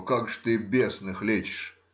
— Как же ты бесных лечишь?